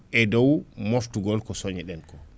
e dow moftugol ko soño ɗen ko